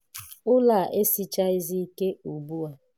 Ụlọ a esichaghịzị ike ugbu a.